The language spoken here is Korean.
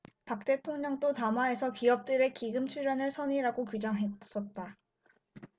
박 대통령도 담화에서 기업들의 기금 출연을 선의라고 규정했었다